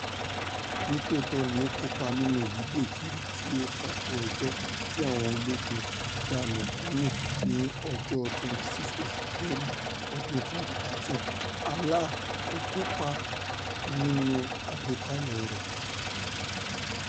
Ní tòótọ́ ni ó kópa nínú ìyíde kiri tí ó ń tako ẹjọ́ tí àwọn ológun dá mẹ́kúnnú ní ọjọ́ 26 oṣù Belu ọdún 2013, Alaa kò kó ipa nínú àgbékalẹ̀ẹ rẹ̀.